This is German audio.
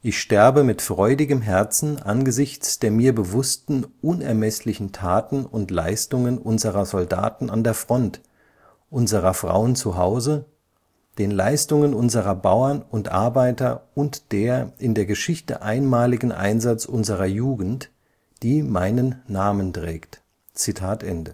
sterbe mit freudigem Herzen angesichts der mir bewussten unermesslichen Taten und Leistungen unserer Soldaten an der Front, unserer Frauen zuhause, den Leistungen unserer Bauern und Arbeiter und der in der Geschichte einmaligen Einsatz unserer Jugend, die meinen Namen trägt. “Seinem